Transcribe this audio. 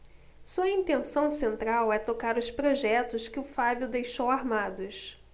sua intenção central é tocar os projetos que o fábio deixou armados